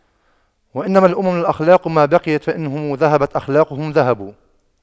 وإنما الأمم الأخلاق ما بقيت فإن هم ذهبت أخلاقهم ذهبوا